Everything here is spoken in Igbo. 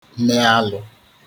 me alụ̄